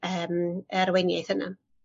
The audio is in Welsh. yym arweiniaeth yna.